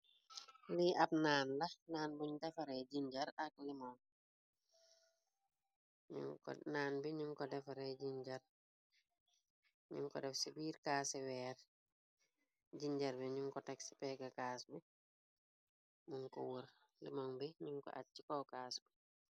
Lii ab nan la an buñ defaree jinjar ak naan bi o efare jarñum ko def ci biir kaasi weer jinjar bi ñum ko teg ci peggcaas bi mun ko wër limoom bi ñum ko at ci ko kaas bi.